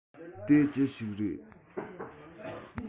དེ ཅི ཞིག རེད